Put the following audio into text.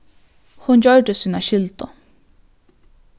hon gjørdi sína skyldu